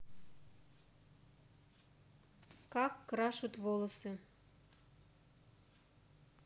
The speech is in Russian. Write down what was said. как крашут волосы